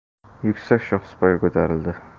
yuksak shohsupaga ko'tarildi